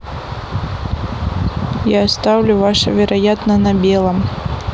я оставлю ваше вероятно на белом